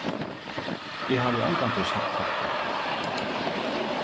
eg havi ongantíð sagt hatta